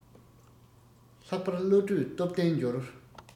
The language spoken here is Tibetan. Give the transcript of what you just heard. ལྷག པར བློ གྲོས སྟོབས ལྡན འགྱུར